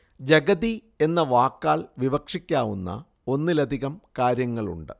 ജഗതി എന്ന വാക്കാൽ വിവക്ഷിക്കാവുന്ന ഒന്നിലധികം കാര്യങ്ങളുണ്ട്